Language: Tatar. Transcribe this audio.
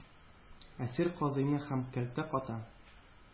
Әсир, казыйны һәм Кәлтә Гата